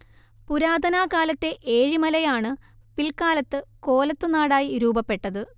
പുരാതന കാലത്തെ ഏഴിമലയാണ് പിൽക്കാലത്ത് കോലത്തുനാടായി രൂപപ്പെട്ടത്